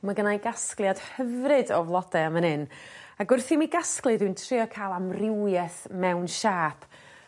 Ma' gynnai gasgliad hyfryd o flode ym myn yn ag wrth i mi gasglu dwi'n trio ca'l amrywieth mewn siâp